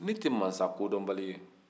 ne tɛ masa kodɔnbali ye